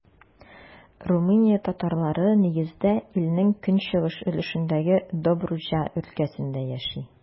Румыния татарлары, нигездә, илнең көнчыгыш өлешендәге Добруҗа өлкәсендә яши.